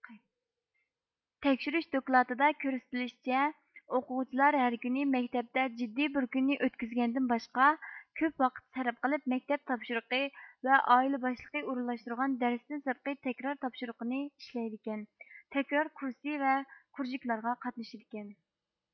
تەكشۈرۈش دوكلاتىدا كۆرسىتىلىشىچە ئوقۇغۇچىلار ھەر كۈنى مەكتەپتە جىددىي بىر كۈننى ئۆتكۈزگەندىن باشقا كۆپ ۋاقىت سەرپ قىلىپ مەكتەپ تاپشۇرۇقى ۋە ئائىلە باشلىقى ئورۇنلاشتۇرغان دەرستىن سىرتقى تەكرار تاپشۇرۇقىنى ئىشلەيدىكەن تەكرار كۇرسى ۋە كۇرژىكلارغا قاتنىشىدىكەن